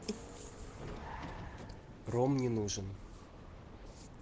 ром не нужен